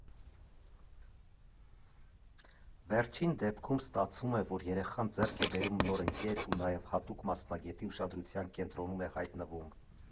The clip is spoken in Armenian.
Վերջին դեպքում, ստացվում է, որ երեխան ձեռք է բերում նոր ընկեր ու նաև հատուկ մասնագետի ուշադրության կենտրոնում է հայտնվում։